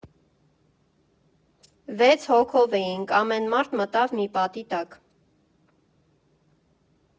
Վեց հոգով էինք, ամեն մարդ մտավ մի պատի տակ։